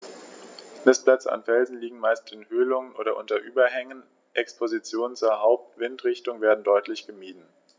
Nistplätze an Felsen liegen meist in Höhlungen oder unter Überhängen, Expositionen zur Hauptwindrichtung werden deutlich gemieden.